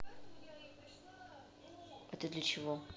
а ты для чего